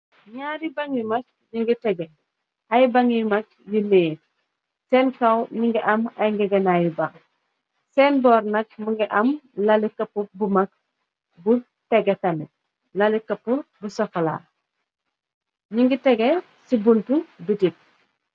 Ñaari bang yu mak ñu ngi tege, ay bang yu mak yu neeg. Seen kaw nu ngi am ay ngegenaa yu bang, seen boor nag mu ngi am lali kapu bu mag bu tégé tamit. Lali kapu bu sokala mu ngi tege ci buntu betik.